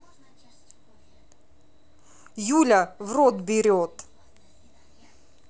юля в рот берет